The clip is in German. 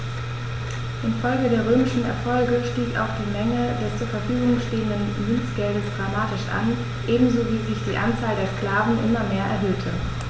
Infolge der römischen Erfolge stieg auch die Menge des zur Verfügung stehenden Münzgeldes dramatisch an, ebenso wie sich die Anzahl der Sklaven immer mehr erhöhte.